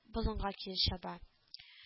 Болынга кире чаба